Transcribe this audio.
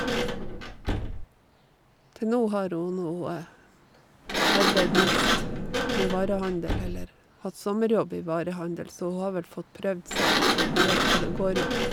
Til nå har hun nå arbeidd mest med varehandel, eller hatt sommerjobb i varehandel, så hun har vel fått prøvd seg litt og vet hva det går ut på.